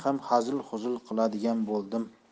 ham hazil huzul qiladigan bo'ldim